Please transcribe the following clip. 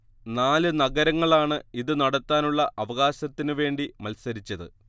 നാല് നഗരങ്ങളാണ് ഇത് നടത്താനുള്ള അവകാശത്തിന് വേണ്ടി മത്സരിച്ചത്